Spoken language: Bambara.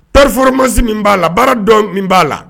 Taforomasi min b'a la baara dɔn min b'a la